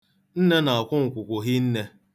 Nne na-akwụ nkwụkwụ hinne.